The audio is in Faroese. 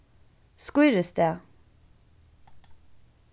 skírisdag